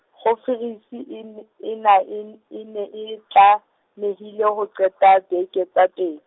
khonferense en- ena en-, e ne e tlamehile ho qeta beke tse pe-.